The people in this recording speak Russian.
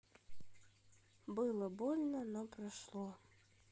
было больно но прошло